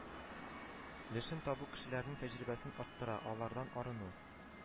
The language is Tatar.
Лешен табу кешеләрнең тәҗрибәсен арттыра, алардан арыну